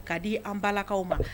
K ka di an balakaw ma